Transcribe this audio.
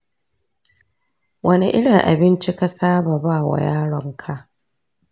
wane irin abinci ka saba ba wa yaronka?